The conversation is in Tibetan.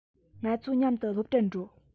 ང ཚོ མཉམ དུ སློབ གྲྭར འགྲོ